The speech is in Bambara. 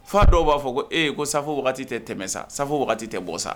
Fa dɔw b'a fɔ ko e ko safo wagati tɛmɛ sa, safo wagati tɛ bɔ sa.